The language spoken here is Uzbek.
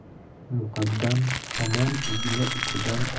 muqaddam hamon igna uchidan